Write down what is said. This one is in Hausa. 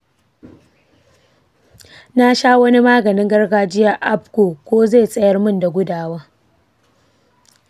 nasha wani maganin gargajiya agbo ko zai tsayar mun da gudawan.